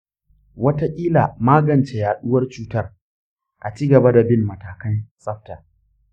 watakila magance yaduwar cutar; a cigaba da bin matakan tsafta.